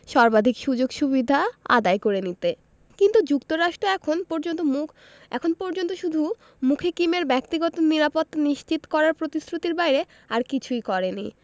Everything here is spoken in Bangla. সর্বাধিক সুযোগ সুবিধা আদায় করে নিতে কিন্তু যুক্তরাষ্ট্র এখন পর্যন্ত শুধু মুখে কিমের ব্যক্তিগত নিরাপত্তা নিশ্চিত করার প্রতিশ্রুতির বাইরে আর কিছুই করেনি